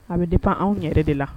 A bɛ dépend anw yɛrɛ de la.